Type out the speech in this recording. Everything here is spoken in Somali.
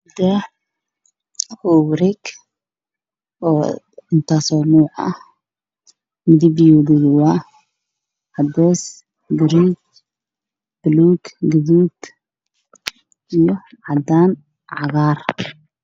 Meshan waa qol ah ku xiran yihiin daahyo caddaan madow iyo gaduud